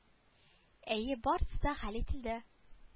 Әйе барысы да хәл ителде